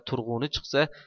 turg'uni chiqsa